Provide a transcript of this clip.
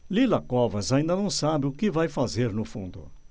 lila covas ainda não sabe o que vai fazer no fundo